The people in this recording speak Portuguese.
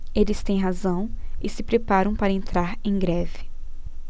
eles têm razão e se preparam para entrar em greve